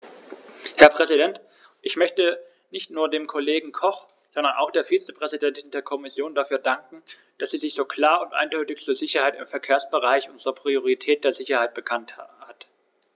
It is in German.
Herr Präsident, ich möchte nicht nur dem Kollegen Koch, sondern auch der Vizepräsidentin der Kommission dafür danken, dass sie sich so klar und eindeutig zur Sicherheit im Verkehrsbereich und zur Priorität der Sicherheit bekannt hat.